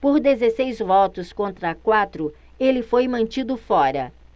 por dezesseis votos contra quatro ele foi mantido fora